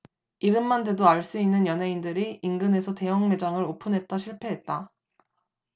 이름만 대도 알 수 있는 연예인들이 인근에서 대형 매장을 오픈했다 실패했다